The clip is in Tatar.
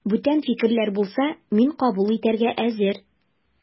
Бүтән фикерләр булса, мин кабул итәргә әзер.